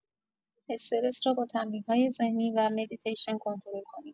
استرس را با تمرین‌های ذهنی و مدیتیشن کنترل کنید.